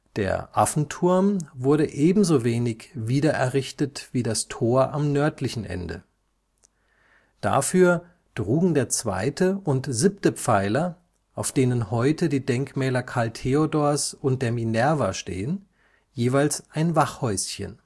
Der Affenturm wurde ebenso wenig wiedererrichtet wie das Tor am nördlichen Ende. Dafür trugen der zweite und siebte Pfeiler, auf denen heute die Denkmäler Karl Theodors und der Minerva stehen, jeweils ein Wachhäuschen